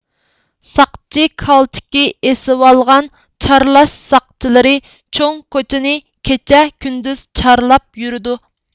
ساقچى كالتىكى ئېسىۋالغان چارلاش ساقچىلىرى چوڭ كوچىنى كېچە كۈندۈز چارلاپ يۈرىدۇ